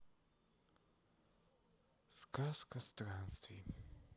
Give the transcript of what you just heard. сказка странствий